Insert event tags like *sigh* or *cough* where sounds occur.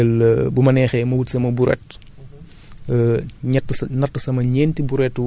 dama bëgg a defar compost compost damay jël *hesitation* bu ma neexee ma wut sama brouette